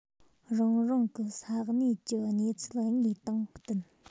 རང རང གི ས གནས ཀྱི གནས ཚུལ དངོས དང བསྟུན